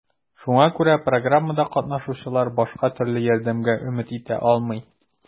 Шуңа күрә программада катнашучылар башка төрле ярдәмгә өмет итә алмый.